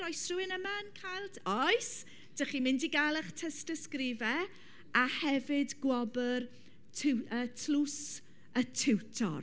Oes rywun yma'n cael? oes. Dach chi'n mynd i gael eich tystysgrifau a hefyd gwobr tw- yy tlws y tiwtor.